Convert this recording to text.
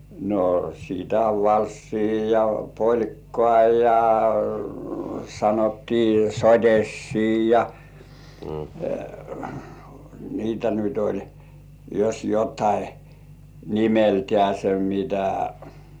no sitä on valssia ja polkkaa ja sanottiin sottiisia ja niitä nyt oli jos jotakin nimeltänsä niitä